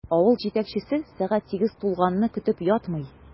Авыл җитәкчесе сәгать сигез тулганны көтеп ятмый.